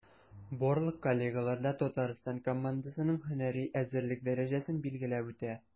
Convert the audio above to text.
Барлык коллегалар да Татарстан командасының һөнәри әзерлек дәрәҗәсен билгеләп үтә.